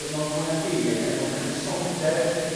dim ond... Fwy na dim ie g- er mwyn ca'l cysondeb.